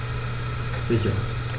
Sicher.